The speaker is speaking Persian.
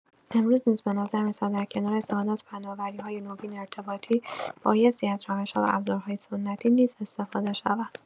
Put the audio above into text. امروز نیز بنظر می‌رسد در کنار استفاده از فناوری‌های نوین ارتباطی بایستی از روش‌ها و ابزارهای سنتی نیز استفاده شود.